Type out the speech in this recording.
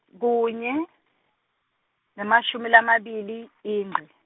kunye, namashumi lamabili, Ingci.